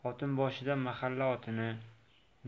xotinoshida mahalla otini